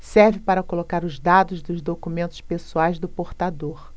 serve para colocar os dados dos documentos pessoais do portador